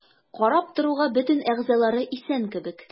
Карап торуга бөтен әгъзалары исән кебек.